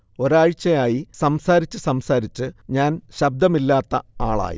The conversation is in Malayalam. ഒരാഴ്ചയായി സംസാരിച്ച് സംസാരിച്ച് ഞാൻ ശബ്ദമില്ലാത്ത ആളായി